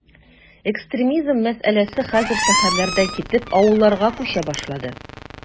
Экстремизм мәсьәләсе хәзер шәһәрләрдән китеп, авылларга “күчә” башлады.